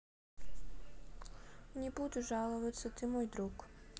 не буду жаловаться ты мой друг